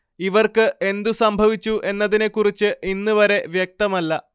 ഇവർക്ക് എന്തു സംഭവിച്ചു എന്നതിനെക്കുറിച്ച് ഇന്നുവരെ വ്യക്തമല്ല